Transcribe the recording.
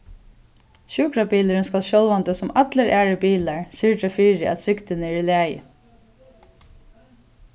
sjúkrabilurin skal sjálvandi sum allir aðrir bilar syrgja fyri at trygdin er í lagi